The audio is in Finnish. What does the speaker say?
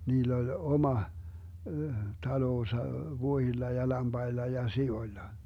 niillä oli oma talonsa vuohilla ja lampailla ja sioilla